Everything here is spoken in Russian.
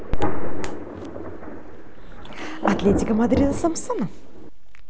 атлетика мадрида самсона